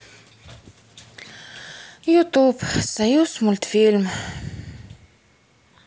ютуб союзмультфильм